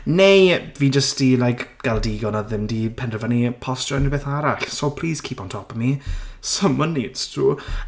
Neu fi jyst 'di like gael digon a ddim 'di penderfynu postio unrhyw beth arall. So, please keep on top of me. Someone needs to!